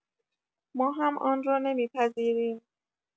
ما هم آن را نمی‌پذیریم.